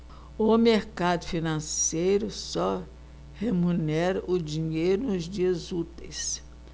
o mercado financeiro só remunera o dinheiro nos dias úteis